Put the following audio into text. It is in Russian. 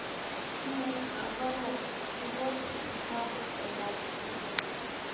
нет наоборот сегодня девятнадцать тринадцать минут